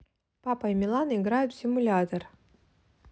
папа и милана играют в симулятор